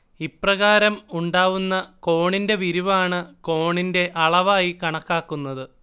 ഇപ്രകാരം ഉണ്ടാവുന്ന കോണിന്റെ വിരിവാണ് കോണിന്റെ അളവായി കണക്കാക്കുന്നത്